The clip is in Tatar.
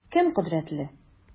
Кем кодрәтле?